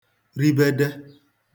ribede